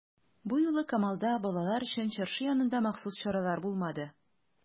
Бу юлы Камалда балалар өчен чыршы янында махсус чаралар булмады.